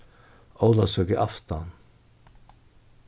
ólavsøkuaftan